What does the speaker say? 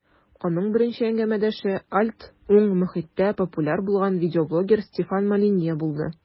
Аның беренче әңгәмәдәше "альт-уң" мохиттә популяр булган видеоблогер Стефан Молинье булды.